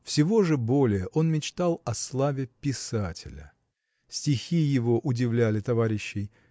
Всего же более он мечтал о славе писателя. Стихи его удивляли товарищей.